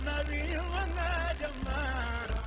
Maa ma le ma